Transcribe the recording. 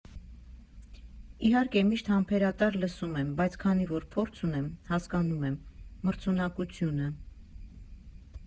Իհարկե, միշտ համբերատար լսում եմ, բայց քանի որ փորձ ունեմ, հասկանում եմ՝ մրցունակությունը։